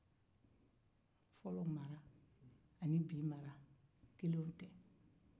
fɔlɔ mara ni bi mara tɛ kelen ye